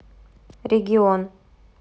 регион